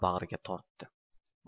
bag'riga tortdi